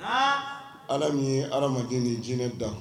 Ala min ye alake ni jinɛinɛ dankun